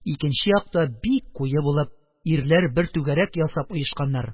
Икенче якта бик куе булып, ирләр бер түгәрәк ясап оешканнар.